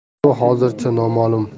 bu hozircha nomalum